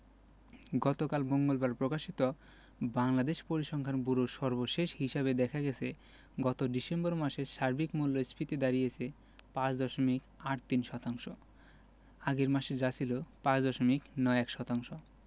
গতকাল মঙ্গলবার প্রকাশিত বাংলাদেশ পরিসংখ্যান ব্যুরোর সর্বশেষ হিসাবে দেখা গেছে গত ডিসেম্বর মাসে সার্বিক মূল্যস্ফীতি দাঁড়িয়েছে ৫ দশমিক ৮৩ শতাংশ আগের মাসে যা ছিল ৫ দশমিক ৯১ শতাংশ